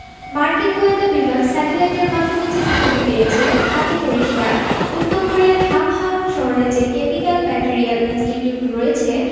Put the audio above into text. মার্কিন গোয়েন্দা বিভাগ স্যাটেলাইটের মাধ্যমে যে ছবি পেয়েছে তাতে পরিষ্কার উত্তর কোরিয়ার হামহাং শহরে যে কেমিক্যাল ম্যাটেরিয়াল ইনস্টিটিউট রয়েছে